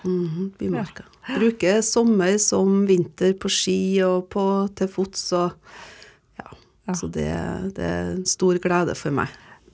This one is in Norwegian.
bymarka bruker sommer som vinter på ski og på til fots og ja altså det det er en stor glede for meg.